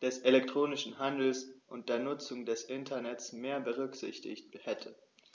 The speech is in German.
des elektronischen Handels und der Nutzung des Internets mehr berücksichtigt hätte.